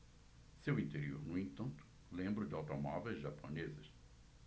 seu interior no entanto lembra o de automóveis japoneses